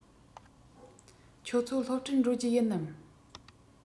ཁྱོད ཚོ སློབ གྲྭར འགྲོ རྒྱུ ཡིན ནམ